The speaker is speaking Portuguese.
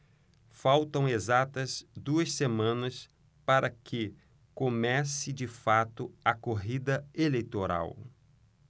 faltam exatas duas semanas para que comece de fato a corrida eleitoral